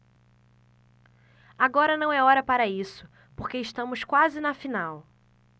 agora não é hora para isso porque estamos quase na final